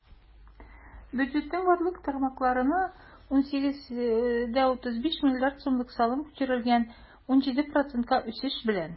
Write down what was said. Бюджетның барлык тармакларына 18,35 млрд сумлык салым күчерелгән - 17 процентка үсеш белән.